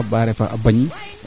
kaaga fop xan i suura tin teen